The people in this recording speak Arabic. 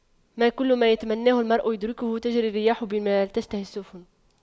ما كل ما يتمنى المرء يدركه تجرى الرياح بما لا تشتهي السفن